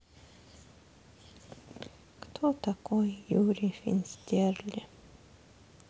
кто такой юрий финстерле